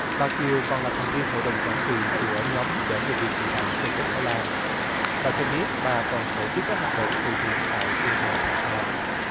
bà kiều còn là thành viên hội đồng quản trị của nhóm giúp đỡ người việt tị nạn trên đất thái lan bà cho biết bà còn tổ chức các hoạt động từ thiện tại quê nhà việt nam